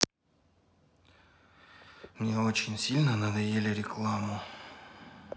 мне очень сильно надоели рекламу